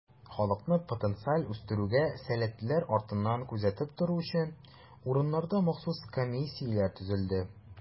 Халыкны потенциаль үстерүгә сәләтлеләр артыннан күзәтеп тору өчен, урыннарда махсус комиссияләр төзелде.